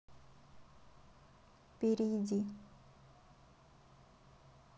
перейди